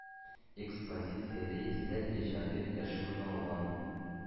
Экспозициядә йөзләп иҗади эш урын алган,